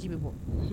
I' bɛ bɔ